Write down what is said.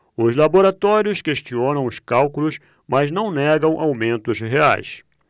os laboratórios questionam os cálculos mas não negam aumentos reais